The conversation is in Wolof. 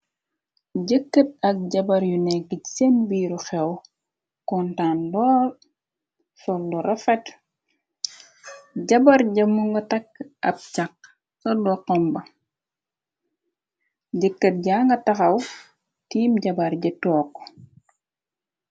Jëkkat ak jabar yu nekki seen biiru xew, kontaan dool, sollu rafat, jabar jamu nga tàkk ab càq sollu xomba, jëkkat ja nga taxaw tiim jabar ja took.